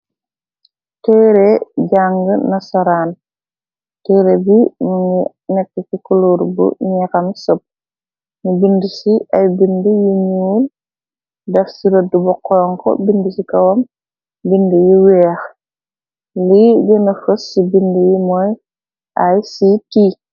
Tëre jàng nasaraan, tere bi ñu ngi nekk si kuloor bu ñeexam sëpp, ñu bindë si ay bindë yu ñuul def si rëddë bu xoñxu bindë si kawam bind yu weex. Lii gëna fës ci bind yi mooy"ICT."